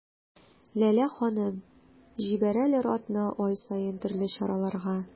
Ләлә ханым: җибәрәләр атна-ай саен төрле чараларга.